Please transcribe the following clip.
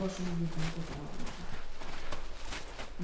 boshini yerdan ko'tara olmadi